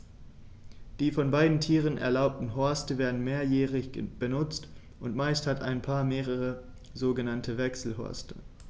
Die von beiden Tieren erbauten Horste werden mehrjährig benutzt, und meist hat ein Paar mehrere sogenannte Wechselhorste.